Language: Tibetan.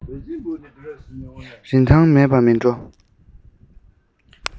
རིན ཐང མེད པ མིན འགྲོ